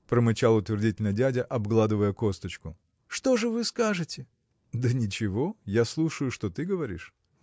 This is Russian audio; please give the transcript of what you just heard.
– промычал утвердительно дядя, обгладывая косточку. – Что же вы скажете? – Да ничего. Я слушаю, что ты говоришь.